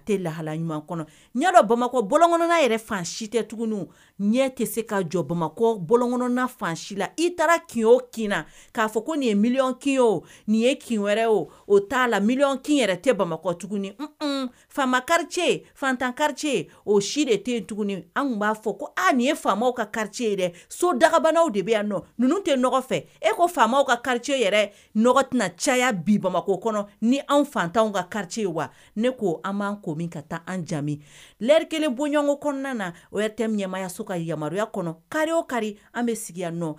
Tɛ se ka jɔ bamakɔ fan la i taara kin na k'a fɔ ko nin ye miy kin o nin ye kin wɛrɛ o o t' la mi kin yɛrɛ tɛ bamakɔ tugun faama kari ye fatan karicɛ ye o si de tɛ yen tugun anw b'a fɔ ko aa nin ye fa ka kari yɛrɛ so dagabanaw de bɛ yan nɔ ninnu tɛ fɛ e ko faama ka karicɛ yɛrɛ tɛna cayaya bi bamakɔ kɔnɔ ni an fatanw ka kari ye wa ne ko an b'an ko min ka taa an jamu ri kelen boɲɔgɔnko kɔnɔna na o tɛ ɲamayaso ka yamaruyaya kɔnɔ kari kari an bɛ sigi nɔ